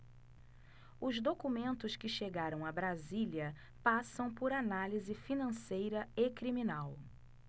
os documentos que chegaram a brasília passam por análise financeira e criminal